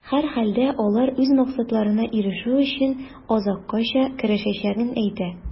Һәрхәлдә, алар үз максатларына ирешү өчен, азаккача көрәшәчәген әйтә.